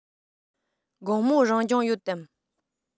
དགོང མོ རང སྦྱོང ཡོད དམ